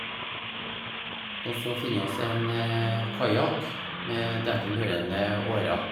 Og så finne oss en kajak med dertil hørende årer.